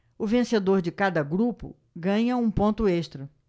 o vencedor de cada grupo ganha um ponto extra